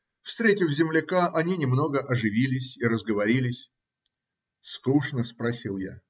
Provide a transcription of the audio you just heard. Встретив земляка, они немного оживились и разговорились. - Скучно? - спросил я.